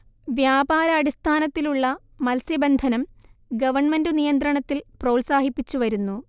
വ്യാപാരാടിസ്ഥാനത്തിലുള്ള മത്സ്യബന്ധനം ഗണ്മെന്റു നിയന്ത്രണത്തിൽ പ്രോത്സാഹിപ്പിച്ചു വരുന്നു